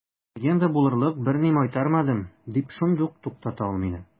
Легенда булырлык берни майтармадым, – дип шундук туктата ул мине.